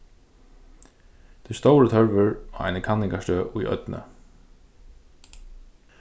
tað er stórur tørvur á eini kanningarstøð í oynni